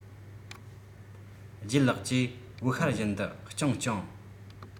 ལྗད ལགས ཀྱིས དབུགས ཧལ བཞིན དུ སྤྱང སྤྱང